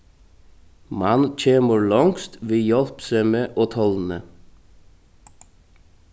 mann kemur longst við hjálpsemi og tolni